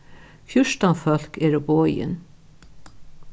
fjúrtan fólk eru boðin